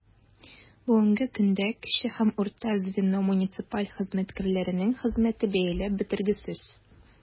Бүгенге көндә кече һәм урта звено муниципаль хезмәткәрләренең хезмәте бәяләп бетергесез.